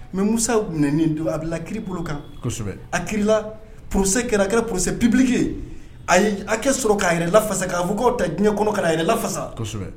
Mɛ musawen don a bɛ kiri bolo kan kosɛbɛ a kila p kɛra kɛra psɛbɛ bibikike a a sɔrɔ ka yɛrɛ lafasa k'a fɔ k' ta diɲɛ kɔnɔ ka a yɛrɛ lafasa